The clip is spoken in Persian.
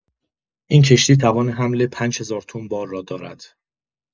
این کشتی توان حمل ۵ هزار تن بار را دارد.